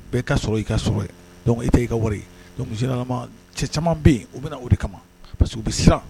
Bɛɛ ka sɔrɔ i ka i tɛ' ka wari cɛ caman bɛ yen u bɛ na o de kama parce que u bɛ siran